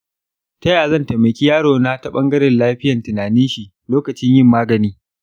ta ya zan taimaki yaro na ta ɓangaren lafiyan tinanin shi lokacin yin magani.